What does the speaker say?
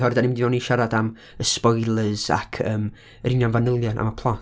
Oherwydd dan ni'n mynd i fewn i siarad am y spoilers ac, yym, yr union fanylion am y plot.